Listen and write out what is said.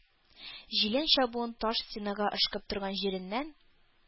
Җилән чабуын таш стенага ышкып торган җиреннән